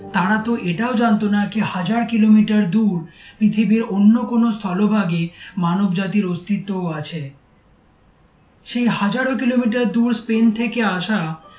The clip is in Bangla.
তারা তো এটা ও জানতো না যে হাজার কিলোমিটার দূর পৃথিবীর অন্য কোন স্থলভাগ এ মানব জাতির অস্তিত্ব ও আছে সেই হাজারো কিলোমিটার দূর স্পেন থেকে আশা